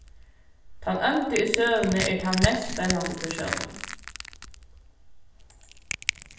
tann óndi í søguni er tann mest spennandi persónurin